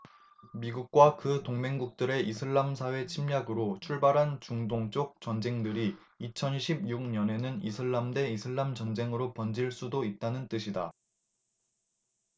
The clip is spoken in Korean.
미국과 그 동맹국들의 이슬람사회 침략으로 출발한 중동 쪽 전쟁들이 이천 십 육 년에는 이슬람 대 이슬람 전쟁으로 번질 수도 있다는 뜻이다